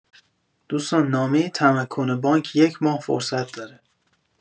دوستان نامه تمکن بانک یک ماه فرصت داره.